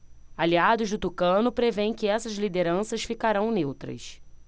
aliados do tucano prevêem que essas lideranças ficarão neutras